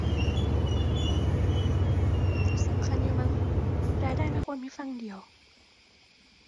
สำคัญอยู่มั้ง รายได้ไม่ควรมีฝั่งเดียว